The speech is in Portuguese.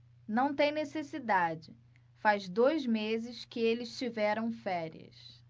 não tem necessidade faz dois meses que eles tiveram férias